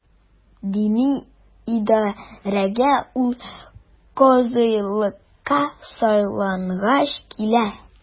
Дини идарәгә ул казыйлыкка сайлангач килә.